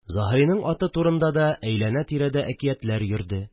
Заһриның аты турында да әйләнә-тирәдә әкиятләр йөрде